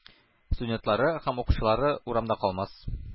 Студентлары һәм укытучылары урамда калмас.